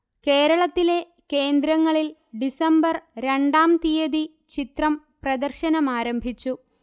കേരളത്തിലെ കേന്ദ്രങ്ങളിൽ ഡിസംബർ രണ്ടാം തീയതി ചിത്രം പ്രദർശനമാരംഭിച്ചു